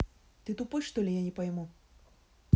ты тупой что ли я не пойму